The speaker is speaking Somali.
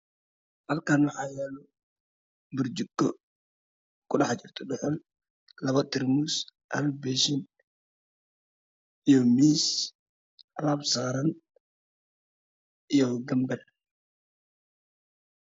Halkan waxayalo burjiko kudhexjitro dhuxol labo tarmuus hal beshin io miis alaab saran io geber